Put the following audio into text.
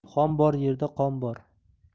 xon bor yerda qon bor